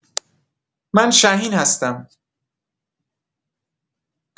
من شهین هستم.